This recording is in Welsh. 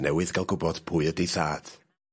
...newydd ga'l gwbod pwy yd ei thad.